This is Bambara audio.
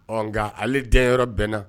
Ɔga ale den yɔrɔ bɛnna